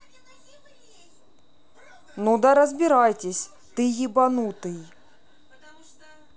ну да разбирайтесь ты ебанутый